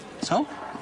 So?